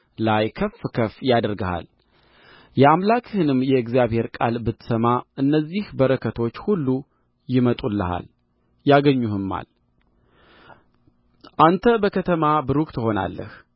ላይ ከፍ ከፍ ያደርግሃል የአምላክህንም የእግዚአብሔርን ቃል ብትሰማ እነዚህ በረከቶች ሁሉ ይመጡልሃል ያገኙህማል አንተ በከተማ ቡሩክ ትሆናለህ